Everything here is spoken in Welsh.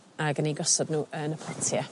ag yn 'u gosod n'w yn y potie